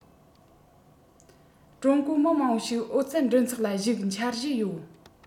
ཀྲུང གོ མི མང པོ ཞིག ཨོ རྩལ འགྲན ཚོགས ལ ཞུགས འཆར གཞི ཡོད